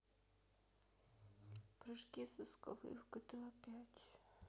прыжки со скалы в гта пять